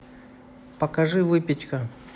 покажи выпечка